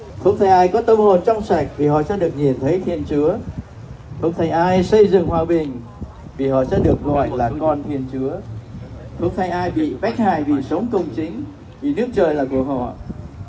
phúc thay ai có tâm hồn trong sạch vì họ sẽ được nhìn thấy thiên chúa phúc thay ai xây dựng hòa bình vì họ sẽ được gọi là con thiên chúa phúc thay ai bị bách hại vì sống công chính vì đức trời là của họ